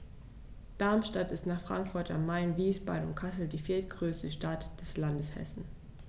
Darmstadt ist nach Frankfurt am Main, Wiesbaden und Kassel die viertgrößte Stadt des Landes Hessen